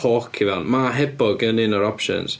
Hawk i fewn, ma hebog yn un o'r options.